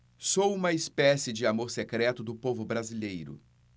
sou uma espécie de amor secreto do povo brasileiro